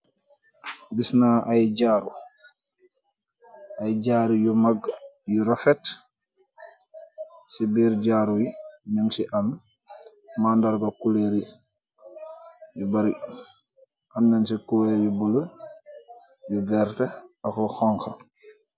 Gissna aye jaaru , aye jaaru yu mag yu refet se birr jaaru yee nugse am madarga coloori yu bary amnen se coloori bluelo , yu werta ak lu honha.